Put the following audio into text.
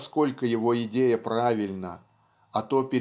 насколько его идея правильна а то